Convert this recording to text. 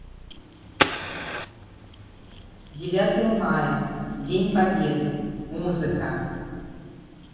девятое мая день победы музыка